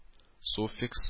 Суффикс